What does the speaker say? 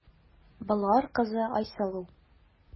Болгар кызы Айсылу.